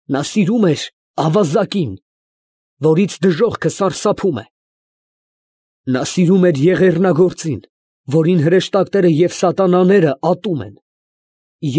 Նա սիրում էր ավազակին, որից դժողքը սարսափում է. նա սիրում էր եղեռնագործին, որին հրեշտակները և սատանաները ատում են։